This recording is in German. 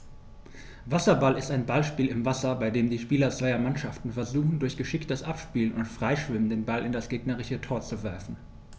Wasserball ist ein Ballspiel im Wasser, bei dem die Spieler zweier Mannschaften versuchen, durch geschicktes Abspielen und Freischwimmen den Ball in das gegnerische Tor zu werfen.